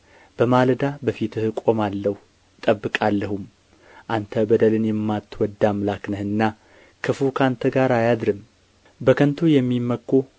በማለዳ በፊትህ እቆማለሁ እጠብቃለሁም አንተ በደልን የማትወድድ አምላክ ነህና ክፉ ከአንተ ጋር አያድርም በከንቱ የሚመኩ